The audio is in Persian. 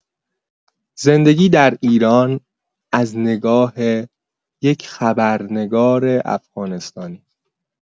زندگی در ایران از نگاه یک خبرنگار افغانستانی